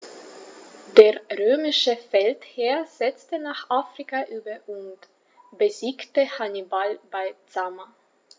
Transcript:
Der römische Feldherr setzte nach Afrika über und besiegte Hannibal bei Zama.